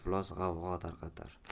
iflos g'avg'o tarqatar